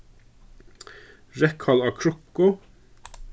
reyðkál á krukku